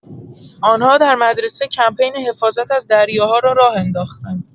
آن‌ها در مدرسه کمپین حفاظت از دریاها را راه انداختند.